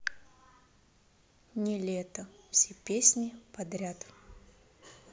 нилето все песни подряд